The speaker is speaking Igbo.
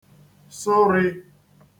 sụ rī